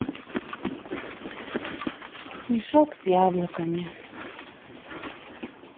мешок с яблоками